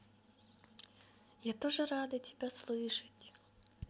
я тоже рада тебя слышать